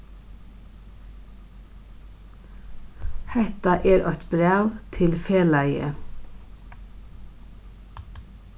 hetta er eitt bræv til felagið